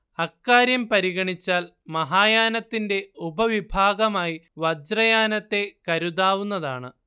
അക്കാര്യം പരിഗണിച്ചാൽ മഹായാനത്തിന്റെ ഉപവിഭാഗമായി വജ്രയാനത്തെ കരുതാവുന്നതാണ്